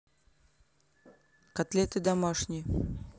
котлеты домашние